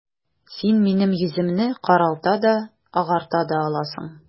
Син минем йөземне каралта да, агарта да аласың...